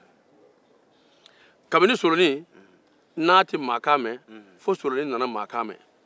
kabini solonin te mankan mɛn fo a nana maakan mɛn